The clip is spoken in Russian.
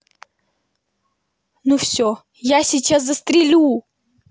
ну все я сейчас сейчас застрелю